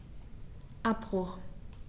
Abbruch.